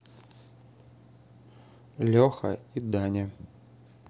леха и даня